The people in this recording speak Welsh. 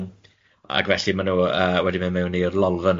Ma' yym ac felly maen nhw yy wedi mynd mewn i'r lolfa